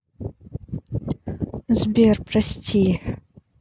сбер прости